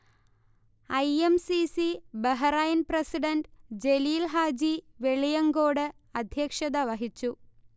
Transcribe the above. I. M. C. C. Bahrain president Jaleel Haji Veliyankode അദ്ധ്യക്ഷത വഹിച്ചു